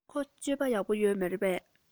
ཁོའི སྤྱོད པ ཡག པོ ཡོད མ རེད པས